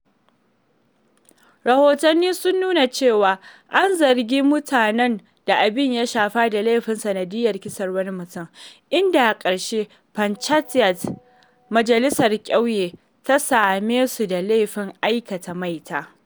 Rahotanni sun nuna cewa, an zargi mutanen da abin ya shafa da laifin sanadiyyar kisan wani mutum, inda a ƙarshe Panchayat (majalisar ƙauye) ta same su da laifin aikata maita.